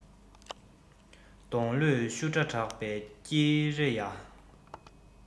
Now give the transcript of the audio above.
སྡོང ལོས ཤུ སྒྲ བསྒྲགས པར སྐྱི རེ གཡའ